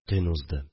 Төн узды